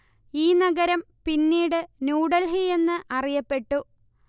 ഈ നഗരം പിന്നീട് ന്യൂ ഡെൽഹി എന്ന് അറിയപ്പെട്ടു